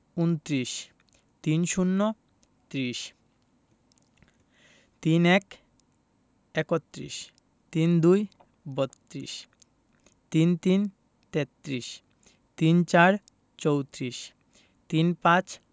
ঊনত্রিশ ৩০ - ত্রিশ ৩১ - একত্রিশ ৩২ - বত্ৰিশ ৩৩ - তেত্রিশ ৩৪ - চৌত্রিশ ৩৫